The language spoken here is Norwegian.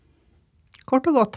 kort og godt.